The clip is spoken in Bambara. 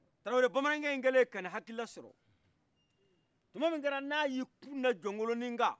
tarawore bamanankɛ in kɛle ka nin akilina sɔrɔ tuma min kɛra nayi kunda jɔkoloni kan